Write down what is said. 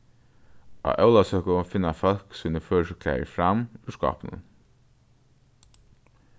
á ólavsøku finna fólk síni føroysku klæðir fram úr skápinum